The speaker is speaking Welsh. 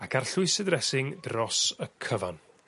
ac arllwys y ddressing dros y cyfan.